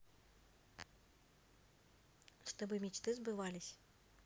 чтобы мечты сбывались